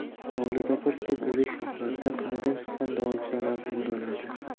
hovlidagi bir tup o'rik shoxlarida qinidan chiqqan dovuchchalar mo'raladi